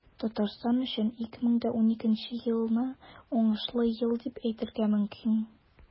Татарстан өчен 2012 елны уңышлы ел дип әйтергә мөмкин.